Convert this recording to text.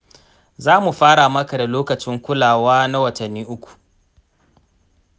za mu fara maka da lokacin kulawa na watanni uku.